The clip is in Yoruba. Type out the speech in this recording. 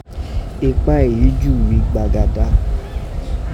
Ipa èyí júùrí gbàgàdà.